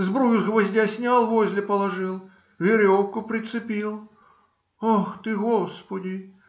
Сбрую с гвоздя снял, возле положил - веревку прицепил. Ах ты, господи!